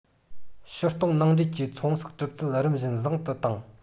ཕྱིར གཏོང ནང འདྲེན གྱི ཚོང ཟོག གྲུབ ཚུལ རིམ བཞིན བཟང དུ བཏང